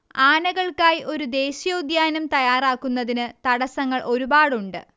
ആനകൾക്കായ് ഒരു ദേശീയോദ്യാനം തയ്യാറാക്കുന്നതിന് തടസ്സങ്ങൾ ഒരുപാടുണ്ട്